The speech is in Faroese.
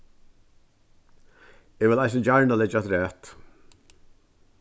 eg vil eisini gjarna leggja afturat